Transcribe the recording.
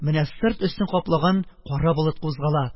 Менә сырт өстен каплаган кара болыт кузгала!